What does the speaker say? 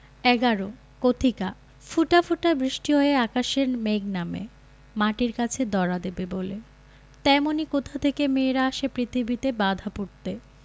১১ কথিকা ফোঁটা ফোঁটা বৃষ্টি হয়ে আকাশের মেঘ নামে মাটির কাছে ধরা দেবে বলে তেমনি কোথা থেকে মেয়েরা আসে পৃথিবীতে বাঁধা পড়তে